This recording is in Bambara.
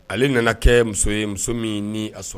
Ale nana kɛ muso ye, muso min, ni a sɔ.